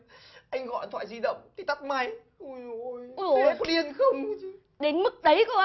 anh gọi điện thoại di động thì tắt máy ui dồi ơi thế có điên không cơ chứ đến mức đấy cơ á